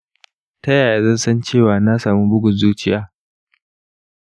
ta yaya zan san cewa na samu bugun zuciya?